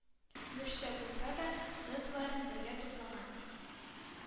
Өлешчә булса да, ноталарын бергә туплаган